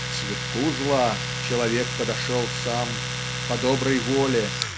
к цветку зла человек подошел сам по доброй воле